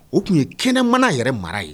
O tun ye kɛnɛ mana yɛrɛ mara ye